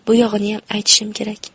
bu yog'iniyam aytishim kerak